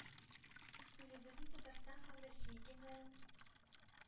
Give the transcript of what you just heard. Үзебезнең татарстан һәм россия гимннарын